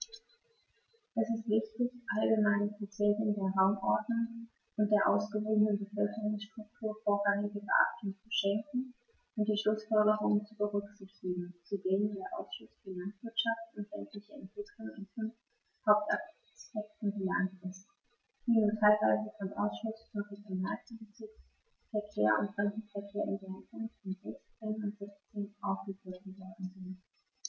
Es ist wichtig, allgemeinen Kriterien der Raumordnung und der ausgewogenen Bevölkerungsstruktur vorrangige Beachtung zu schenken und die Schlußfolgerungen zu berücksichtigen, zu denen der Ausschuss für Landwirtschaft und ländliche Entwicklung in fünf Hauptaspekten gelangt ist, die nur teilweise vom Ausschuss für Regionalpolitik, Verkehr und Fremdenverkehr in seinen Punkten 16 und 17 aufgegriffen worden sind.